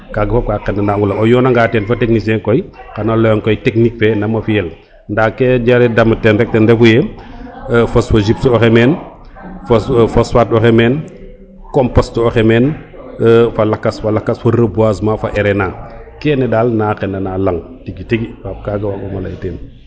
kaga fop lka xenda na wala o yonanga fo technicien ke koy xana leyong koy technique fe nama fiyel nda ke jaredam ten rek te refu ye fospho jups oxey men phosfade oxey men compost oxey men fa lakas fa lakas fo reboisement o RNA kene dal na xenda nana laŋtigi tigi wa kaga bug umo ley ten